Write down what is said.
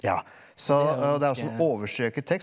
ja så og det er også en overstrøket tekst.